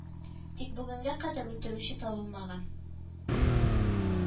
Тик бүгенгә кадәр үтерүче табылмаган